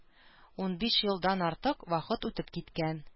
Унбиш елдан артык вакыт үтеп киткән